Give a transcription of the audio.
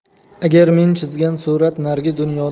agar men chizgan surat narigi dunyoda